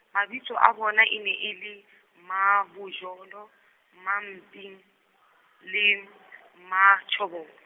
mabitso a bona e ne e le, Mmabojolo, Mmaping, le, Mmatjhobolo.